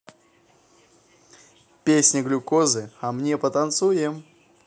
песня глюкозы а мне потанцуем